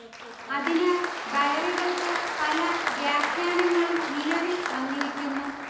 അതിനാൽ ഡയറികൾക്ക് പല വ്യാഖ്യാനങ്ങളും നിലവിൽ വന്നിരിക്കുന്നു